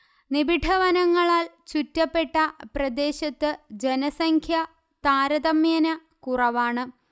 നിബിഢ വനങ്ങളാൽ ചുറ്റപ്പെട്ട പ്രദേശത്ത് ജനസംഖ്യ താരതമ്യേന കുറവാണ്